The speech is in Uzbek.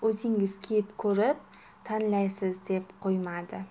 o'zingiz kiyib ko'rib tanlaysiz deb qo'ymadi